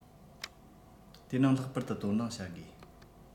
དེའི ནང ལྷག པར དུ དོ སྣང བྱ དགོས